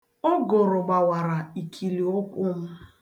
Ụgụrụ gbawara ikiliụkwụ m.